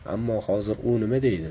ammo hozir u nima deydi